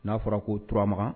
N'a fɔra ko Turamakan